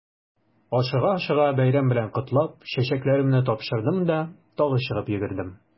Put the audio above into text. Ашыга-ашыга бәйрәм белән котлап, чәчәкләремне тапшырдым да тагы чыгып йөгердем.